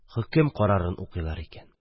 Хөкем карарын укыйлар икән: